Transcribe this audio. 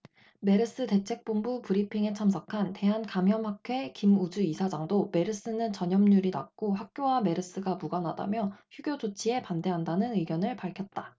메르스 대책본부 브리핑에 참석한 대한감염학회 김우주 이사장도 메르스는 전염률이 낮고 학교와 메르스가 무관하다며 휴교 조치에 반대한다는 의견을 밝혔다